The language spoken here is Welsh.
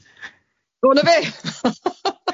O 'na fe!